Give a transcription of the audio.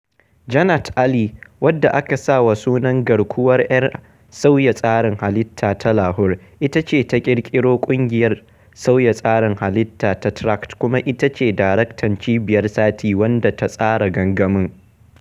Jannat Ali, wadda aka sa wa sunan garkuwar 'yan sauya tsarin halitta ta Lahore, ita ce ta ƙirƙiro ƙungiyar sauya tsarin halitta ta Track kuma ita ce Daraktan Cibiyar Sathi wadda ta tsara gangamin.